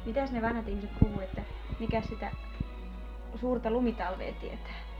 mitäs ne vanhat ihmiset puhui että mikäs sitä suurta lumitalvea tietää